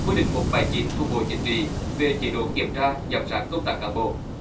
quyết định một bảy chín của bộ chính trị về chế độ kiểm tra giám sát công tác cán bộ